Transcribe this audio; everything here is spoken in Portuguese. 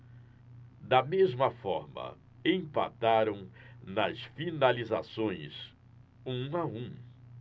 da mesma forma empataram nas finalizações um a um